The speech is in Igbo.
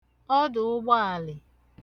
ọdụ̀ụgbọàlị̀